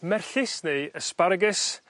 merllys neu asparagus